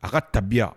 A ka tabiya.